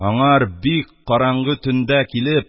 Аңар бик караңгы төндә килеп,